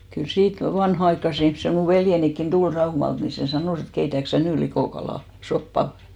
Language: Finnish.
kyllä siitä vanhanaikaiset ihmiset minun veljenikin tuli Raumalta niin se sanoi että keitätkö sinä nyt - likokalasoppaa